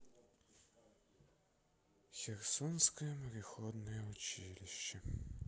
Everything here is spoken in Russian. херсонское мореходное училище